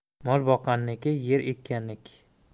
mol boqqanniki yer ekkanniki